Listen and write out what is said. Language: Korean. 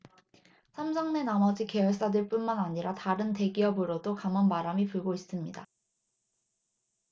삼성 내 나머지 계열사들뿐만 아니라 다른 대기업으로도 감원바람이 불고 있습니다